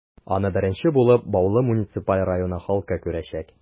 Аны беренче булып, Баулы муниципаль районы халкы күрәчәк.